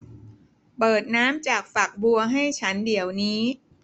เปิดน้ำจากฝักบัวให้ฉันเดี๋ยวนี้